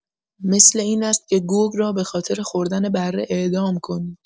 مثل این است که گرگ را به‌خاطر خوردن بره اعدام کنید.